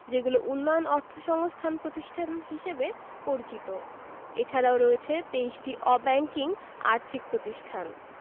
যেগুলো উন্নয়ন অর্থসংস্থান প্রতিষ্ঠান হিসেবে পরিচিত এছাড়াও রয়েছে ২৩টি অব্যাংকিং আর্থিক প্রতিষ্ঠান